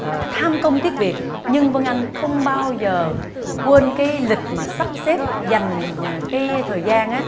ờ tham công tiếc việc nhưng vân anh không bao giờ quên cái lịch mà sắp xếp dành cái thời gian á